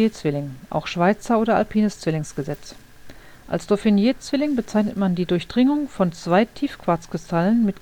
Dauphinée-Zwilling (auch Schweizer oder alpines Zwillingsgesetz): Als Dauphinée-Zwilling bezeichnet man die Durchdringung von zwei Tiefquarzkristallen